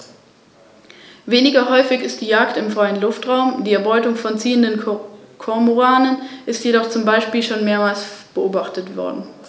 Nistplätze an Felsen liegen meist in Höhlungen oder unter Überhängen, Expositionen zur Hauptwindrichtung werden deutlich gemieden.